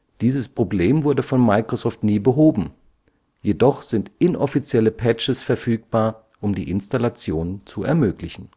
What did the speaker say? Dieses Problem wurde von Microsoft nie behoben, jedoch sind inoffizielle Patches verfügbar, um die Installation zu ermöglichen